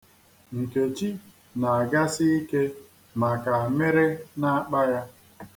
Nkechi na-agasi ike maka amịrị na-akpa ya.